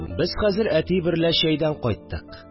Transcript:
Без хәзер әти берлә чәйдән кайттык